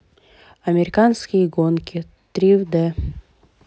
американские горки в три д